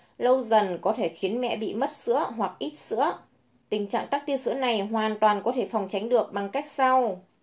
lâu dần có thể khiến mẹ bị mất sữa hoặc ít sữa tình trạng tắc tia sữa này hoàn toàn có thể phòng tránh được bằng cách sau